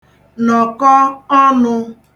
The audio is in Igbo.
nọ̀kọ ọnụ̄